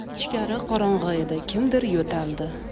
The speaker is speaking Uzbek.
ichkari qorong'i edi kimdir yo'taldi